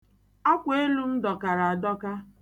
Akweelu m dọkara adọka.